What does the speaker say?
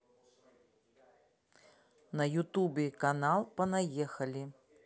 на ютубе канал понаехали